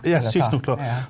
er syk nok til å.